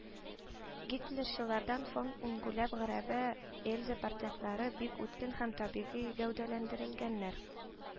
Гитлерчылардан фон Унгляуб, Грабэ, Эльза портретлары бик үткен һәм табигый гәүдәләндерелгәннәр